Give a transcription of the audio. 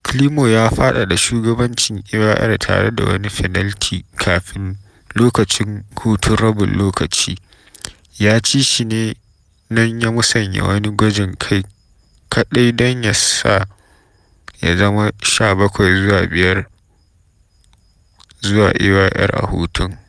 Climo ya faɗaɗa shugabancin Ayr tare da wani fenalti, kafin, lokacin hutun rabin lokaci, ya ci shi ke nan ya musanya wani gwajin kai kaɗai don ya sa ya zama 17 zuwa 5 zuwa Ayr a hutun.